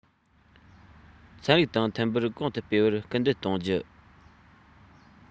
ཚན རིག དང མཐུན པར གོང དུ སྤེལ བར སྐུལ འདེད གཏོང རྒྱུ